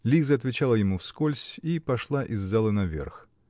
Лиза отвечала ему вскользь и пошла из залы наверх.